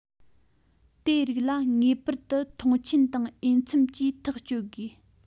དེ རིགས ལ ངེས པར དུ མཐོང ཆེན དང འོས འཚམ གྱིས ཐག གཅོད བྱེད དགོས